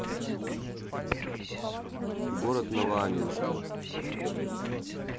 город новоаннинский